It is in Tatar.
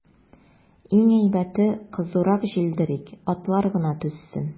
Иң әйбәте, кызурак җилдерик, атлар гына түзсен.